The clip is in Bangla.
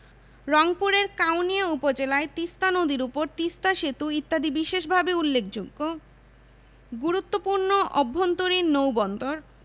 রংপুরের কাউনিয়া উপজেলায় তিস্তা নদীর উপর তিস্তা সেতু ইত্যাদি বিশেষভাবে উল্লেখযোগ্য গুরুত্বপূর্ণ অভ্যন্তরীণ নৌবন্দর